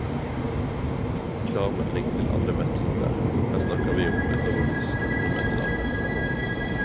Klar melding til alle metalhoder; her snakker vi om ett av årets store metalalbum!